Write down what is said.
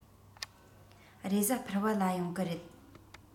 རེས གཟའ ཕུར བུ ལ ཡོང གི རེད